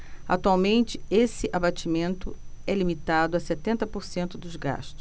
atualmente esse abatimento é limitado a setenta por cento dos gastos